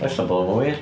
Ella bod o'n wir.